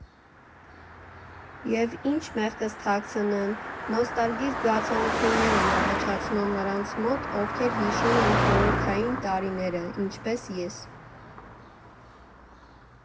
Եվ, ինչ մեղքս թաքցնեմ, նոստալգիկ զգացողություններ են առաջացնում նրանց մոտ, ովքեր հիշում են խորհրդային տարիները, ինչպես ես։